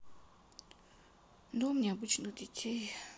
дом необычных детей